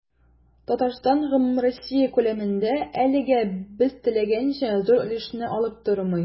Татарстан гомумроссия күләмендә, әлегә без теләгәнчә, зур өлешне алып тормый.